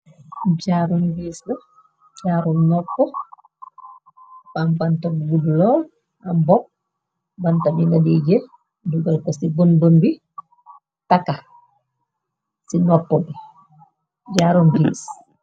jaoon bs jaoo, nopppmpantob budu lool, am bopp, banta bi na di gër dugal ko ci bën-bëm bi, taka ci noppbjaroon bis.